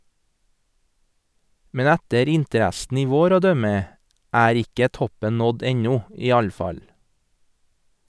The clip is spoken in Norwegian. Men etter interessen i vår å dømme er ikke toppen nådd ennå i alle fall.